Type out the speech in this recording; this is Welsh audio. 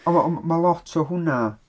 O- ond mae lot o hwnna...